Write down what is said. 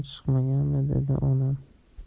chiqmaganmi dedi onam